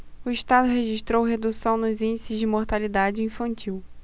o estado registrou redução nos índices de mortalidade infantil